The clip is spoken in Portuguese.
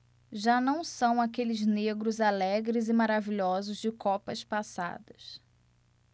já não são aqueles negros alegres e maravilhosos de copas passadas